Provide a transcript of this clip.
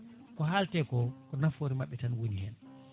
ko halte ko ko nafoore mabɓe tan woni hen